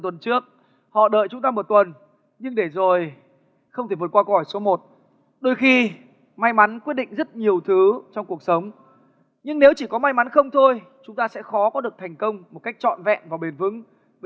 tuần trước họ đợi chúng ta một tuần nhưng để rồi không thể vượt qua câu hỏi số một đôi khi may mắn quyết định rất nhiều thứ trong cuộc sống nhưng nếu chỉ có may mắn không thôi chúng ta sẽ khó có được thành công một cách trọn vẹn và bền vững